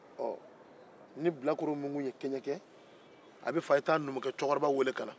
ɔɔ ni bilakoro min tun ye kɛɲɛkɛ a bɛ fɔ a ye taa numukɛ cɛkɔrɔba weele ka na